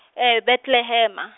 Betlehem mma.